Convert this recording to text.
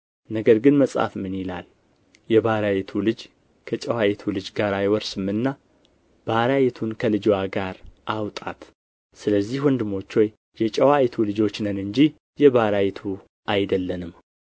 ነገር ግን እንደ ሥጋ የተወለደው እንደ መንፈስ የተወለደውን በዚያን ጊዜ እንዳሳደደው ዛሬም እንዲሁ ነው ነገር ግን መጽሐፍ ምን ይላል የባሪያይቱ ልጅ ከጨዋይቱ ልጅ ጋር አይወርስምና ባሪያይቱን ከልጅዋ ጋር አውጣት ስለዚህ ወንድሞች ሆይ የጨዋይቱ ልጆች ነን እንጂ የባሪያይቱ አይደለንም